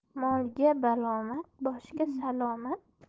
molga balomat boshga salomat